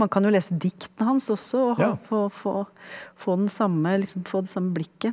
man kan jo lese diktene hans også og ha få få få den samme liksom få det samme blikket.